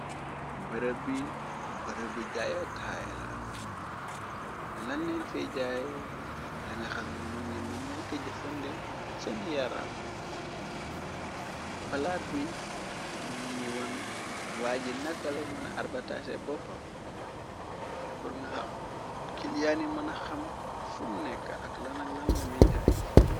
Barëb bi barëb bi jaayookaay la lanneen fe jaay la nga xam ni ñi mën neen ka jëfandew seeni yaaram palaat bi min ni wan waa ji nakalay mëna arbataise boppam por nga xab ngil yaani mëna xam fum nekk ak lana lan lami jaay.